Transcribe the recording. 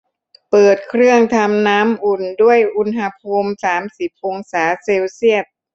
เปิดเครื่องทำน้ำอุ่นด้วยอุณหภูมิสามสิบองศาเซลเซียส